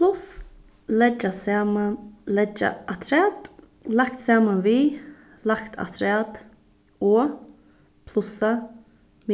pluss leggja saman leggja afturat lagt saman við lagt afturat og plussa